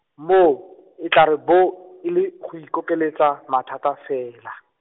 moo, e tla re bo, e le, go ikokeletsa, mathata fela.